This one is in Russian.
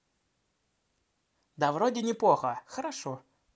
да вроде неплохо хорошо